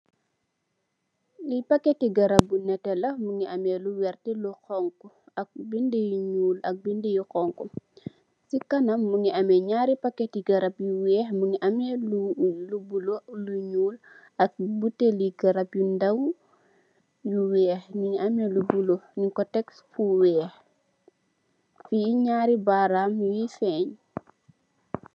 Lii pakketi garab bu nétté la, mu ngi amee lu nétté, lu werta, lu xoñxu, ak bindë yu ñuul, ak bindë yu xoñxu. Si kanam,m u ngi amee ñarri, pakketi garab yu weex, mu ngi am, lu bulo, lu ñuul, ak buteli garab..weex, ñu ngi amee, lu bulo, ñung ko tek fu weex, fii ñaari baaraam, ñu ngiy feeñ.